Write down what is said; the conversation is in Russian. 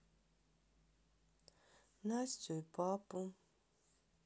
настю и папу